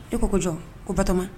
E ko ko jɔ ko bama